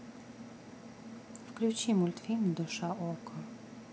включи мультфильм душа окко